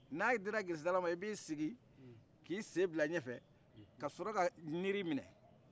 na dila gesedala ma i b'i sigi k'i den bila ɲɛfɛ ka sɔrɔka niri minɛ